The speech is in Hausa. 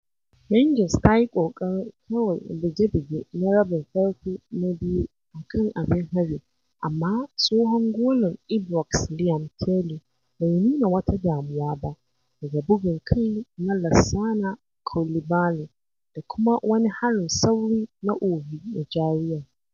Rangers ta yi ƙoƙarin kawai buge-buge na rabin farko na biyu a kan abin hari amma tsohon golan Ibrox Liam Kelly bai nuna wata damuwa ba daga bugun kai na Lassana Coulibaly da kuma wani harin sauri na Ovie Ejaria.